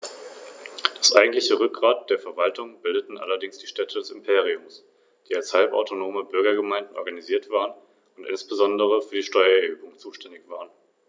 Nach dem Fall Saguntums und der Weigerung der Regierung in Karthago, Hannibal auszuliefern, folgte die römische Kriegserklärung.